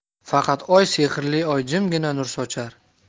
faqat oy sehrli oy jimgina nur sochar